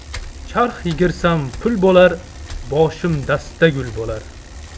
charx yigirsam pul bo'lar boshim dasta gul bo'lar